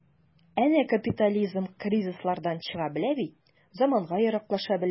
Әнә капитализм кризислардан чыга белә бит, заманга яраклаша белә.